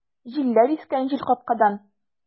Җилләр искән җилкапкадан!